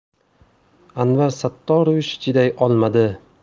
anvar sattorovich chiday olmadi